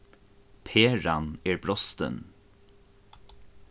peran er brostin